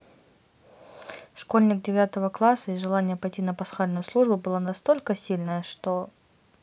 школьник девятого класса и желание пойти на пасхальную службу была настолько сильная что